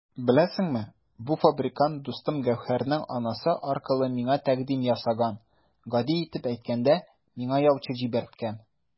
Беләсеңме, бу фабрикант дустым Гәүһәрнең анасы аркылы миңа тәкъдим ясаган, гади итеп әйткәндә, миңа яучы җибәрткән!